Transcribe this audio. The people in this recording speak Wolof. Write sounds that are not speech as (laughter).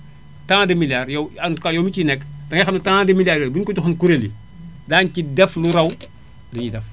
tant de milliards yow en tout cas yow mi ciy nekk dangay xam ne tant de de milliards yooyu bu ñu ko joxoon kuréel yi daañu ci def (noise) lu raw li ñu def